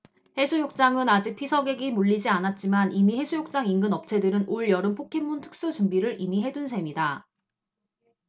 해수욕장은 아직 피서객이 몰리지 않았지만 이미 해수욕장 인근 업체들은 올 여름 포켓몬 특수 준비를 이미 해둔 셈이다